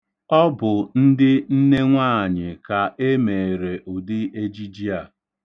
Ọ bụ ndị nnenwaanyị ka e meere ụdị ejiji a.